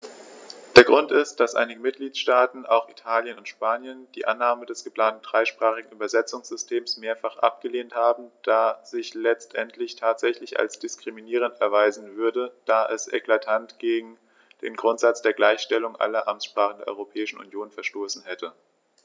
Der Grund ist, dass einige Mitgliedstaaten - auch Italien und Spanien - die Annahme des geplanten dreisprachigen Übersetzungssystems mehrfach abgelehnt haben, das sich letztendlich tatsächlich als diskriminierend erweisen würde, da es eklatant gegen den Grundsatz der Gleichstellung aller Amtssprachen der Europäischen Union verstoßen hätte.